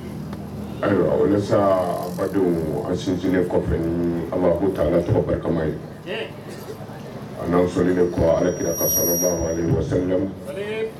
Ayiwa sa badenw an sinsin kɔfɛ taa tɔgɔ kama ye'an sɔn de kɔ ka wa